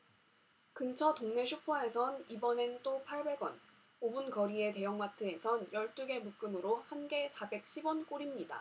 근처 동네 슈퍼에선 이번엔 또 팔백 원 오 분 거리의 대형마트에선 열 두 개 묶음으로 한 개 사백 십 원꼴입니다